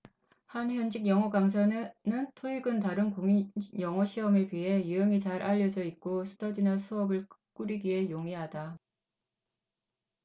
한 현직 영어강사는 토익은 다른 공인영어시험에 비해 유형이 잘 알려져 있고 스터디나 수업을 꾸리기에 용이하다